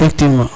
effectivement